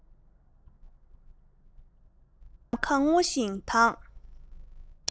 ནམ མཁའ སྔོ ཞིང དྭངས